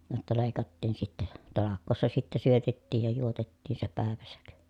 jotta leikattiin sitten talkoossa sitten syötettiin ja juotettiin se päivänsä